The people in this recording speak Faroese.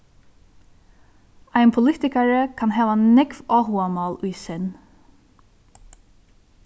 ein politikari kann hava nógv áhugamál í senn